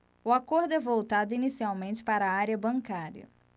o acordo é voltado inicialmente para a área bancária